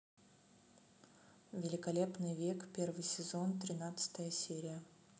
великолепный век первый сезон тринадцатая серия